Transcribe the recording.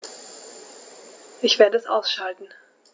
Ich werde es ausschalten